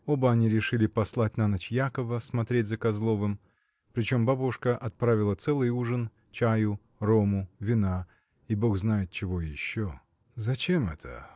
Оба они решили послать на ночь Якова смотреть за Козловым, причем бабушка отправила целый ужин, чаю, рому, вина — и Бог знает чего еще. — Зачем это?